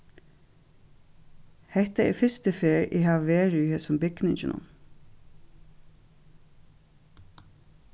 hetta er fyrstu ferð eg havi verið í hesum bygninginum